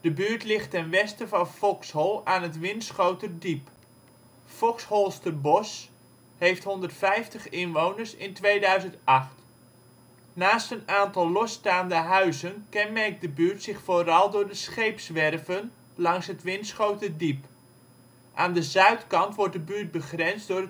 De buurt ligt ten westen van Foxhol aan het Winschoterdiep. Foxholsterbosch heeft 150 inwoners (2008). Naast een aantal losstaande huizen kenmerkt de buurt zich vooral door de scheepswerven langs het Winschoterdiep. Aan de zuidkant wordt de buurt begrensd door